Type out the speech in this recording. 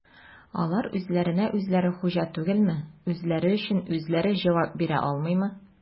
Алар үзләренә-үзләре хуҗа түгелме, үзләре өчен үзләре җавап бирә алмыймы?